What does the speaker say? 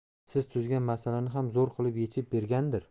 siz tuzgan masalani ham zo'r qilib yechib bergandir